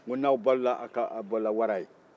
n ko n'aw balola aw balola wara ye